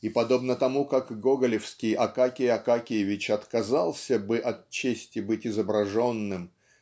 и подобно тому как гоголевский Акакий Акакиевич отказался бы от чести быть изображенным